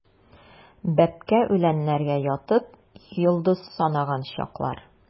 Бәбкә үләннәргә ятып, йолдыз санаган чаклар.